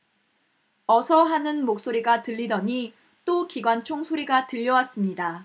어서 하는 목소리가 들리더니 또 기관총 소리가 들려왔습니다